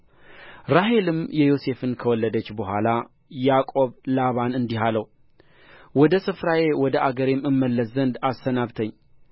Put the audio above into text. ራሔልም ዮሴፍን ከወለደች በኋላ ያዕቆብ ላባን እንዲህ አለው ወደ ስፍራዬ ወደ አገሬም እመለስ ዘንድ አሰናብተኝ